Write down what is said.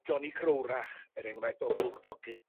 Jonny Crowrach er enghraift o Bwlch Tocyn?